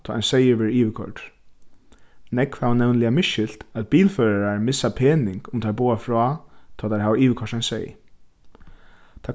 tá ein seyður verður yvirkoyrdur nógv hava nevniliga misskilt at bilførarar missa pening um teir boða frá tá teir hava yvirkoyrt ein seyð